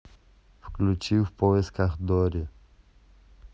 включи в поисках дори